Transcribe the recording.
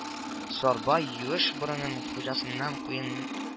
Сарбай юеш борынын хуҗасыннан куен